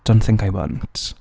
Don't think I won't.